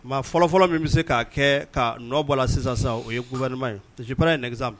Mɛ fɔlɔfɔlɔ min bɛ se ka kɛ ka nɔ bɔ la sisan sisan o yema yesip ye nɛgɛsa